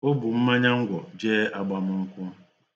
O bu mmanya ngwọ jee agbamụnkwụ